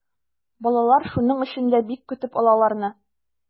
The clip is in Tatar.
Балалар шуның өчен дә бик көтеп ала аларны.